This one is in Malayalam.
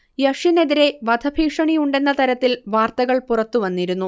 യഷിനെതിരേ വധഭീഷണിയുണ്ടെന്ന തരത്തിൽ വാർത്തകൾ പുറത്ത് വന്നിരുന്നു